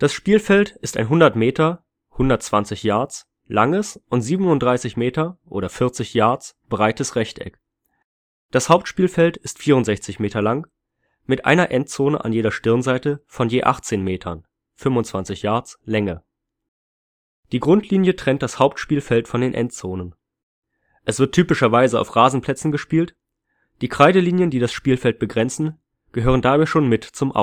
Spielfeld ist ein 100 m (120 Yards) langes und 37 m (40 Yards) breites Rechteck, das Hauptspielfeld ist 64 m lang, mit einer Endzone an jeder Stirnseite von je 18 m (25 Yards) Länge. Die Grundlinie trennt das Hauptspielfeld von den Endzonen. Es wird typischerweise auf Rasenplätzen gespielt, die Kreidelinien, die das Spielfeld begrenzen, gehören dabei schon mit zum